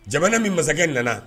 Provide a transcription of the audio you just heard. Jamana min masakɛ nana